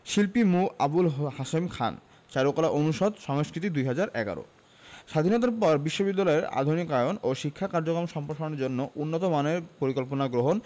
শিল্পী মু. আবুল হাশেম খান চারুকলা অনুষদ সংস্কৃতি ২০১১ স্বাধীনতার পর বিশ্ববিদ্যালয়ের আধুনিকায়ন ও শিক্ষা কার্যক্রম সম্প্রসারণের জন্য উন্নতমানের পরিকল্পনা গ্রহণ